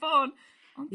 ...ffôn ond....